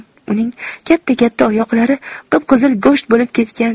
uning katta katta oyoqlari qip qizil go'sht bo'lib ketgan